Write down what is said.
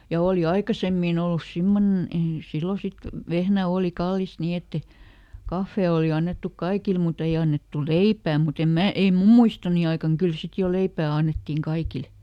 ja oli aikaisemmin ollut semmoinen ei silloin sitten vehnä oli kallista niin että ei kahvi oli annettu kaikille mutta ei annettu leipää mutta en minä ei minun muistoni aikana kyllä sitten jo leipää annettiin kaikille